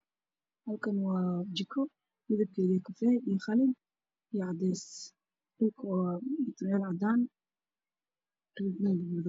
Halkaan waa jiko midabkeedu waa kafay, qalin iyo cadeys, dhulka waa mutuleel cadaan ah.